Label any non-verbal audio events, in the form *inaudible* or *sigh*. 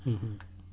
*hesitation* *hesitation*